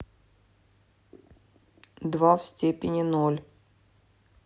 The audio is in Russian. два в степени ноль